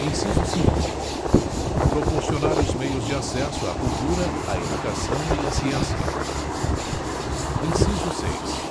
inciso cinco proporcionar os meios de acesso à cultura à educação e à ciência inciso seis